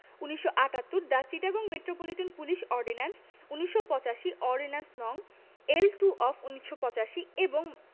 ১৯৭৮ the Chittagong metropolitan police ordinance ১৯৮৫ ordinance. নং. L two of ১৯৮৫ এবং